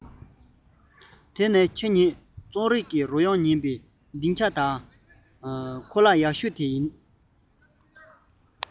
དེ ནི ཁྱོད ཉིད རྩོམ རིག གི རོལ དབྱངས ཉན པའི གདེང ཆ དང ཁོ ལག ཡག ཤོས དེ ཡིན